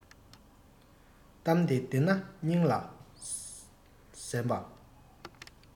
གཏམ དེ བདེན ན སྙིང ལ གཟན པ